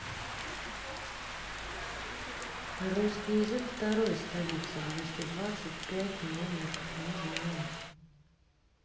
русский язык второй столица двести двадцать пять номер не знаю